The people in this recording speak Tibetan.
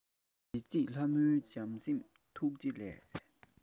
མཛེས མཛེས ལྷ མོའི བྱམས སེམས ཐུགས རྗེ ལས